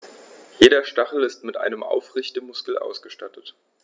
Jeder Stachel ist mit einem Aufrichtemuskel ausgestattet.